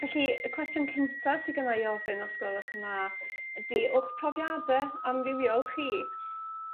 Felly y cwestiwn cyntaf sy gyna' 'i ofyn os gwelwch yn dda ydy o'ch profiade amrywiol chi,